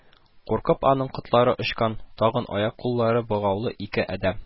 Куркып аның котлары очкан, тагын аяк-куллары богаулы ике адәм